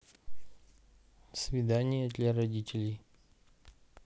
свидание для родителей